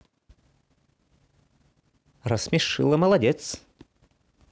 рассмешила молодец